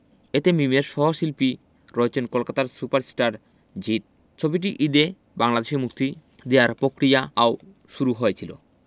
এতে মিমের সহশিল্পী রয়েছেন কলকাতার সুপারস্টার জিৎ ছবিটি ঈদে বাংলাদেশে মুক্তি দেয়ার প্রক্রিয়া আও শুরু হয়েছিল